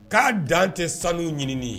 K'a dan tɛ sanu ɲinini ye